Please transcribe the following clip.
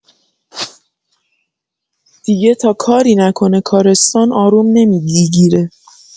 دیگه تا کاری نکنه کارستان آروم نمیگیگیره